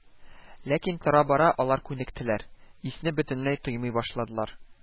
Ләкин тора-бара алар күнектеләр, исне бөтенләй тоймый башладылар